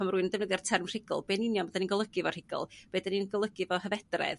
Pan ma' rwy'n yn defnyddio'r term rhugl be yn union be 'da ni'n olygu efo rhugl? Be 'da ni'n golygu efo hyfedredd?